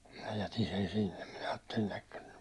minä jätin sen sinne minä ajattelin jahka nyt